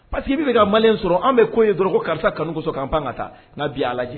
Pa que bɛ ka mali sɔrɔ an bɛ ko ye d dɔrɔn karisa kanugosɔ k an pan ka taa'a bin' ala lajɛji